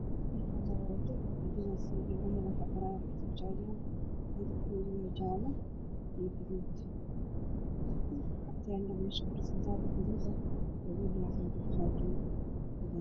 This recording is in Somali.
Waa meel waddo ah waxa maraya bajaaj guduud ah teendhooyin ayaa ku yaallo oo guduud ah islaam ayaa fadhiya